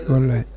wallay